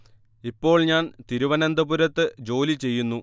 ഇപ്പോൾ ഞാൻ തിരുവനന്തപുരത്ത് ജോലി ചെയ്യുന്നു